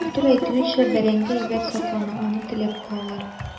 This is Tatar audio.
Артур әйтүенчә, бәрәңге әйбәт саклана, аны теләп алалар.